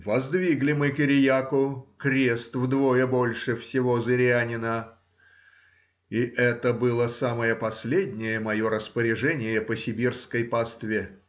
воздвигли мы Кириаку крест вдвое больше всего зырянина,— и это было самое последнее мое распоряжение по сибирской пастве.